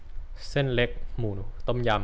เส้นเล็กหมูต้มยำ